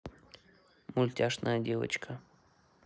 мультяшная девочка